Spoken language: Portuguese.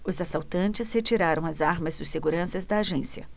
os assaltantes retiraram as armas dos seguranças da agência